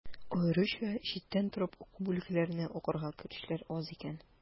Аеруча читтән торып уку бүлекләренә укырга керүчеләр аз икән.